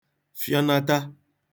fịọnata